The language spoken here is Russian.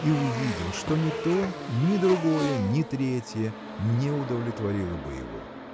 и увидел, что ни то, ни другое, ни третье не удовлетворило бы его.